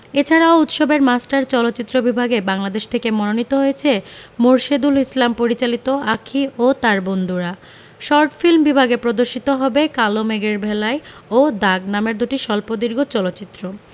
এছাড়াও উৎসবের মাস্টার চলচ্চিত্র বিভাগে বাংলাদেশ থেকে মনোনীত হয়েছে মোরশেদুল ইসলাম পরিচালিত আঁখি ও তার বন্ধুরা শর্ট ফিল্ম বিভাগে প্রদর্শিত হবে কালো মেঘের ভেলায় ও দাগ নামের দুটি স্বল্পদৈর্ঘ চলচ্চিত্র